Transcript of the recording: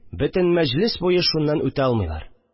Бөтен мәҗлес буе шуннан үтә алмыйлар